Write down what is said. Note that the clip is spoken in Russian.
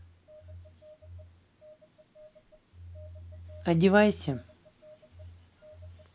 одевайся